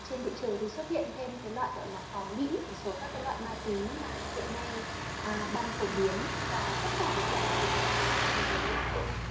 hiện nay trên thị trường xuất hiện loại đấy là cỏ mỹ một số các loại ma túy mà hiện nay đang phổ biến và tất cả những loại ma túy này thì đều có thể gây nghiện